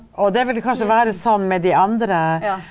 og det vil kanskje være sånn med de andre.